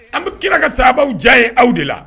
An bɛ kira ka sabaw diya ye aw de la